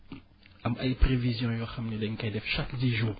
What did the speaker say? am ay prévisions yoo xam ne dañ koy def chaque dix jours